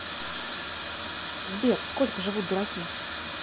сбер сколько живут дураки